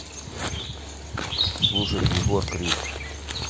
слушать егор крид